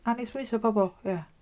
Anesmwytho pobl, ie.